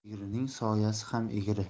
egrining soyasi ham egri